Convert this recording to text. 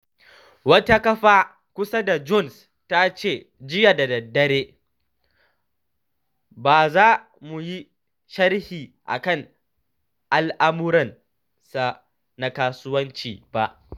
Wata kafa kusa da Jones ta ce jiya da dare “Ba za mu yi sharhi a kan al’amuransa na kasuwanci ba.”